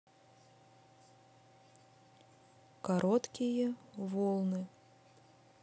короткие волны